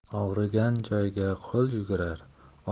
og'rigan joyga qo'l yugurar